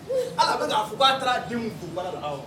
Ala bɛka k'a fɔ' a taara denw kunba la